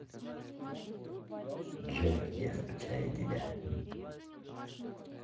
джой я скучаю тебя